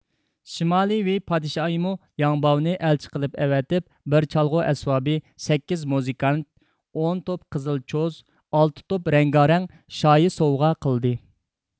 شىمالىي ۋېي پادىشاھىمۇ لياڭباۋنى ئەلچى قىلىپ ئەۋەتىپ بىر چالغۇ ئەسۋابى سەككىز مۇزىكانت ئون توپ قىزىل چوز ئالتە توپ رەڭگارەڭ شايى سوۋغا قىلدى